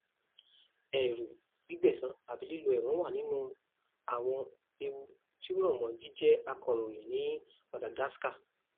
Ẹ̀rù gbígbẹ̀san àbí lílọ ẹ̀wọ̀n wà nínú àwọn ewu tí ó rọ̀ mọ́ jíjẹ́ akọ̀ròyìn ní Madagascar.